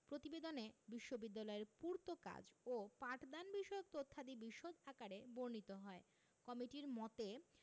প্রতিবেদনে বিশ্ববিদ্যালয়ের পূর্তকাজ ও পাঠদানবিষয়ক তথ্যাদি বিশদ আকারে বর্ণিত হয় কমিটির মতে